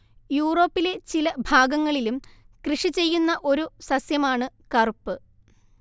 യൂറോപ്പിലെ ചില ഭാഗങ്ങളിലും കൃഷി ചെയ്യുന്ന ഒരു സസ്യമാണ് കറുപ്പ്